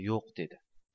yo'q dedi